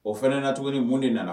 O fana na tuguni mun de nana